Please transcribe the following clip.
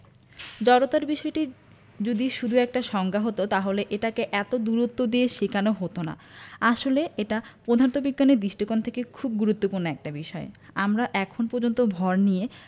জড়তার বিষয়টি যদি শুধু একটা সংজ্ঞা হতো তাহলে এটাকে এত গুরুত্ব দিয়ে শেখানো হতো না আসলে এটা পদার্থবিজ্ঞানের দৃষ্টিকোণ থেকে খুব গুরুত্বপূর্ণ একটা বিষয় আমরা এখন পর্যন্ত ভর নিয়ে